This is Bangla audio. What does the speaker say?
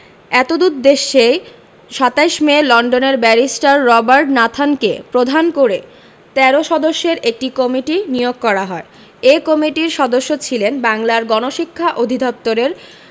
এতদুদ্দেশ্যে ২৭ মে লন্ডনের ব্যারিস্টার রবার্ট নাথানকে প্রধান করে ১৩ সদস্যের একটি কমিটি নিয়োগ করা হয় এ কমিটির সদস্য ছিলেন বাংলার গণশিক্ষা অধিদপ্তরের